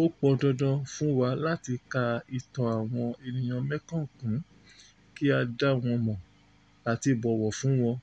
Ó pọn dandan fún wa láti ka ìtàn àwọn ènìyàn Mekong kún, kí a dá wọn mọ̀, àti bọ̀wọ̀ fún wọn,